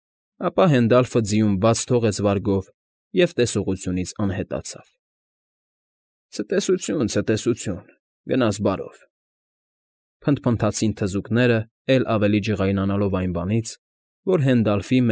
Ապա Հենդալֆը ձիուն բաց թողեց վարգով և տեսողությունից անհետացավ։ ֊ Ցտեսությո՛ւն, ցտեսությո՛ւն, գնաս բարո՜վ,֊ փնթփնթացին թզուկները էլ ավելի ջղայնանալով այն բանից, որ Հենդալֆի։